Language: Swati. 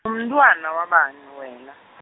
umntfwana wabani wena?